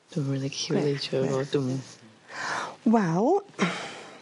Dwi'm yn rili gellu weud siŵr o fod dw'm... Wel